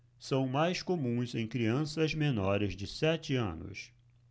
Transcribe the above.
são mais comuns em crianças menores de sete anos